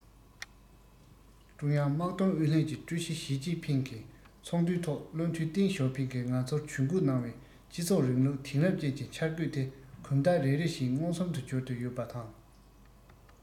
ཀྲུང དབྱང དམག དོན ཨུ ལྷན གྱི ཀྲུའུ ཞི ཞིས ཅིན ཕིང གིས ཚོགས འདུའི ཐོག བློ མཐུན ཏེང ཞའོ ཕིང གིས ང ཚོར ཇུས འགོད གནང བའི སྤྱི ཚོགས རིང ལུགས དེང རབས ཅན གྱི འཆར འགོད དེ གོམ སྟབས རེ རེ བཞིན མངོན སུམ དུ འགྱུར དུ ཡོད པ དང